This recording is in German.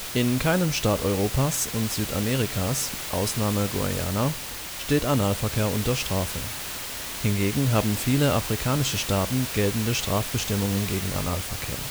In keinem Staat Europas und Südamerika (Ausnahme Guyana) steht Analverkehr unter Strafe. Hingegen haben viele afrikanische Staaten geltende Strafbestimmungen gegen Analverkehr